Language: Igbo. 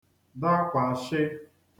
dakwàshị